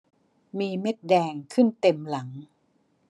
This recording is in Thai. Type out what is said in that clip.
มีเม็ดแดงขึ้นเต็มหลัง